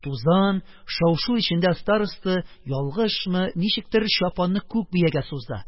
Тузан, шау-шу эчендә староста, ялгышмы, ничектер, чапанны күк биягә сузды,